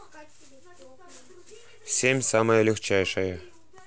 семь самое легчайшее